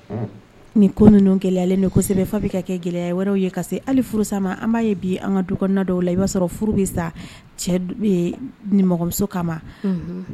Ni ko ninnu gɛlɛyalen don kosɛbɛ f'a bɛ ka kɛ gɛlɛya wɛrɛw ye ka se ali furusa ma an' b'a ye bi an ka dukɔnɔna dɔw la i b'a sɔrɔ furu bɛ sa cɛ d ɛɛ nimɔgɔmuso kama unhun